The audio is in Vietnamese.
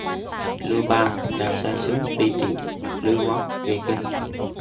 lưu bang bèn sai sứ đi triệu lư quán về kinh